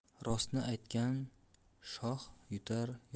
rostni aytgan shon yutar